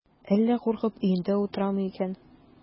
Әллә куркып өендә утырамы икән?